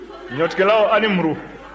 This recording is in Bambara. ɲɔtigɛlaw aw ni muru